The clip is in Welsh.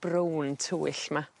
brown tywyll 'ma.